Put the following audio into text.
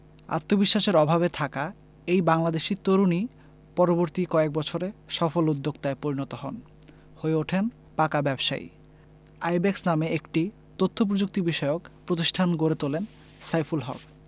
আত্মবিশ্বাসের অভাবে থাকা এই বাংলাদেশি তরুণই পরবর্তী কয়েক বছরে সফল উদ্যোক্তায় পরিণত হন হয়ে ওঠেন পাকা ব্যবসায়ী আইব্যাকস নামে একটি তথ্যপ্রযুক্তিবিষয়ক প্রতিষ্ঠান গড়ে তোলেন সাইফুল হক